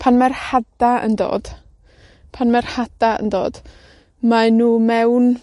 pan mae'r hada' yn dod. Pan mae'r hada' yn dod, mae nw mewn